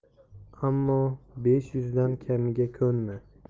ammo besh yuzdan kamiga ko'nma